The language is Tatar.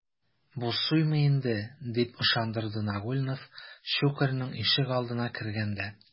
Бу суймый инде, - дип ышандырды Нагульнов Щукарьның ишегалдына кергәндә.